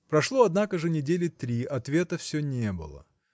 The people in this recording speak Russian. Прошло, однако же, недели три, ответа все не было.